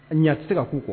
Ɲa se ka'u kɔ